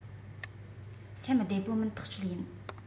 སེམས བདེ པོ མིན ཐག ཆོད ཡིན